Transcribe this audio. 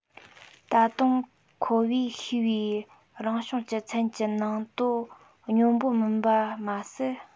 ད དུང ཁོ བོས ཤེས པའི རང བྱུང གི ཚན གྱི ནང དོ སྙོམས པོ མིན པ མ ཟད